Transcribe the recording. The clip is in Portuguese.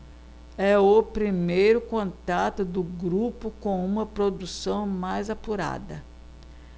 é o primeiro contato do grupo com uma produção mais apurada